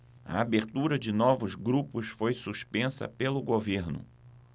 a abertura de novos grupos foi suspensa pelo governo